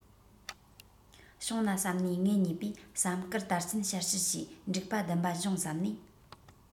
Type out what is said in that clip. བྱུང ན བསམས ནས ངེད གཉིས པོས བསམ དཀར དར ཆེན འཕྱར འཕྱར བྱས འགྲིག པ སྡུམ པ འབྱུང བསམ ནས